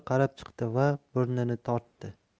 qarab chiqdi da burnini tortdi